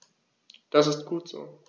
Das ist gut so.